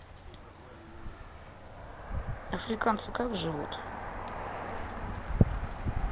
африканцы как живут